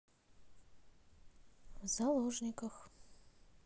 в заложниках